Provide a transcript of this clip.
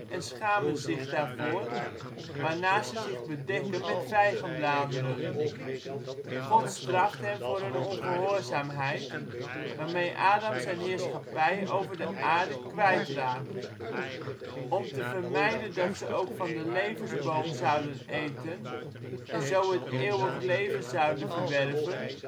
en schamen zich daarvoor, waarna ze zich bedekken met vijgenbladeren. God straft hen voor hun ongehoorzaamheid, waarmee Adam zijn heerschappij over de aarde kwijtraakt. Om te vermijden dat ze ook van de levensboom zouden eten en zo het eeuwig leven zouden verwerven